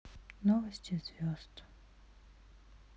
новости звезд